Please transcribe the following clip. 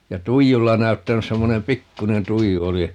ja tuijulla näyttänyt semmoinen pikkuinen tuiju oli